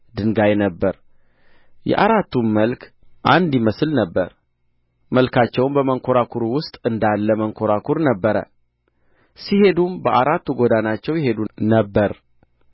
ድንጋይ ነበረ የአራቱም መልክ አንድ ይመስል ነበር መልካቸውም በመንኰራኵር ውስጥ እንዳለ መንኰራኵር ነበረ ሲሄዱም በአራቱ ጐድናቸው ይሄዱ ነበር